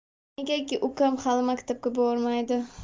negaki ukam hali maktabga bormaydi